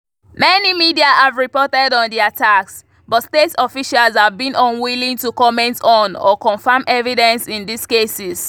Many media have reported on the attacks, but state officials have been unwilling to comment on or confirm evidence in these cases.